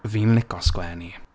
Fi'n lico sgwennu.